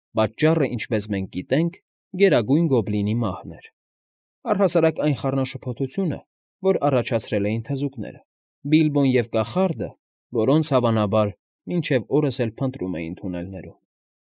Պատճառը, ինչպես մենք գիտենք, Գերագույն Գոբլինի մահն էր, առհասարակ այն խառնաշփոթությունը, որ առաջացրել էին թզուկները, Բիլբոն և կախարդը, որոնց, հավանաբար, մինչև օրս էլ փնտրում էին թունելներում։